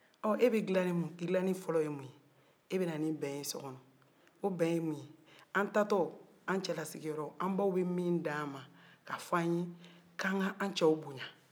ɔ e bɛ gilanni-gilanni fɔlɔ ye mun e bɛ na ni bɛn ye so kɔnɔ o bɛn ye mun ye an taatɔ an cɛlasigiyɔrɔ an baw bɛ min d'an ma k'a f'a ye k'an ka an cɛw bonya